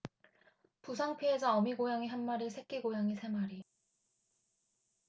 부상 피해자 어미 고양이 한 마리 새끼 고양이 세 마리